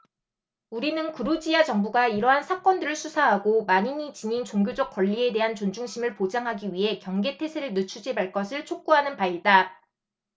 우리는 그루지야 정부가 이러한 사건들을 수사하고 만인이 지닌 종교적 권리에 대한 존중심을 보장하기 위해 경계 태세를 늦추지 말 것을 촉구하는 바이다